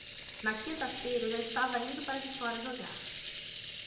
na quinta-feira eu já estava indo para vitória jogar